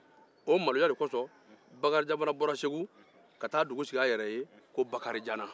o maloya kosɔn bakarijan bɔra segu ka ta dugu sigi ko bakarijann